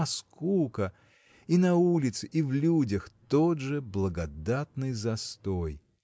а скука – и на улице и в людях тот же благодатный застой!